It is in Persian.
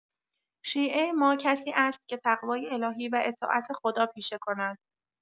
شیعه ما کسی است که تقوای الهی و اطاعت خدا پیشه کند.